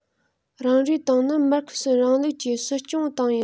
རང རེའི ཏང ནི མར ཁེ སིའི རིང ལུགས ཀྱི སྲིད སྐྱོང ཏང ཡིན